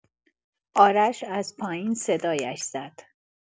آرش از پایین صدایش زد.